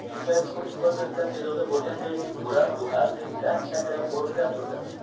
shu payt xuddi bir narsadan bezovta bo'lganday guram jo'xadze dast sakrab o'midan turadi